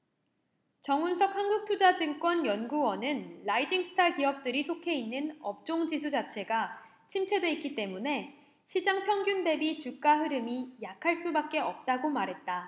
정훈석 한국투자증권 연구원은 라이징 스타 기업들이 속해 있는 업종지수 자체가 침체돼 있기 때문에 시장 평균 대비 주가 흐름이 약할 수밖에 없다고 말했다